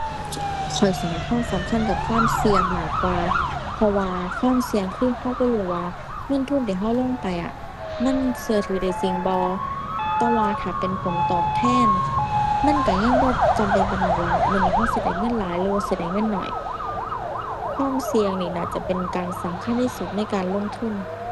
ข้อยสิให้ความสำคัญกับความเสี่ยงมากกว่า เพราะว่าความเสี่ยงคือ เราบ่รู้ว่าเงินทุนที่เราลงไปอะ มันเราถือได้จริงบ่ แต่ว่าถ้าเป็นผลตอบแทนมันเรายังบ่จำเป็นปานนั้นว่า มื้อนี้เราสิได้เงินหลาย หรือว่าสิได้เงินน้อย ความเสี่ยงนี่น่าจะเป็นการสำคัญที่สุดในการลงทุน